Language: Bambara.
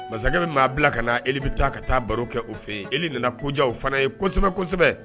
Masakɛ min maa bila ka n nae bɛ taa ka taa baro kɛ o fɛ e nana kojanw fana ye kosɛbɛ kosɛbɛ